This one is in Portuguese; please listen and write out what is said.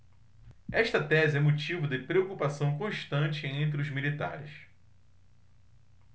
esta tese é motivo de preocupação constante entre os militares